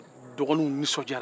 dɔgɔninw nisɔndiyara